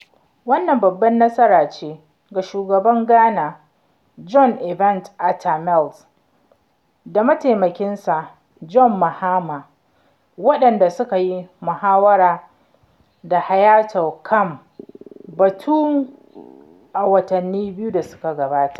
Wannan babbar nasara ce ga shugaban Ghana John Evans Atta Mills da mataimakinsa John Mahama waɗanda, suka yi muhawara da Hayatou kan batun a watanni biyu da suka gabata.